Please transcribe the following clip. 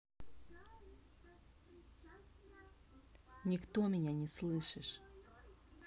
никто меня не слышишь